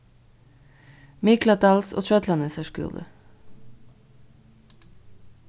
mikladals og trøllanesar skúli